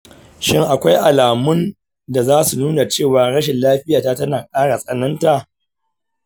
shin akwai alamun da zasu nuna cewa rashin lafiyata tana kara tsananta?